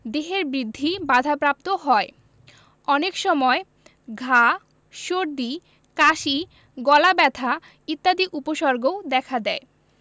দেহের বৃদ্ধি বাধাপ্রাপ্ত হয় অনেক সময় ঘা সর্দি কাশি গলাব্যথা ইত্যাদি উপসর্গও দেখা দেয়